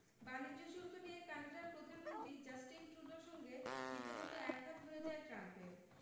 বাণিজ্য শুল্ক নিয়ে কানাডার প্রধানমন্ত্রী জাস্টিন ট্রুডোর সঙ্গে রীতিমতো একহাত হয়ে যায় ট্রাম্পের